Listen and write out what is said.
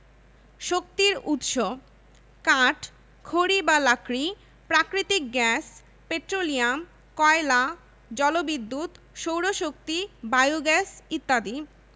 চীনামাটি ইটের মাটি এবং ধাতব খনিজ পানি সম্পদঃ প্রাকৃতিকভাবেই বাংলাদেশের রয়েছে প্রচুর পরিমাণে